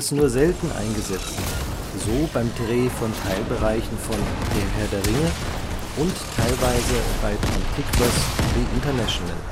nur selten eingesetzt, so beim Dreh von Teilbereichen Der Herr der Ringe (lt. Arri-Kundenzeitschrift) und teilweise bei Tom Tykwer 's The International